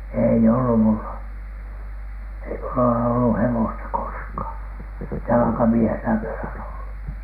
ei ollut minulla ei minulla ole ollut hevosta koskaan jalkamiehenä minä olen ollut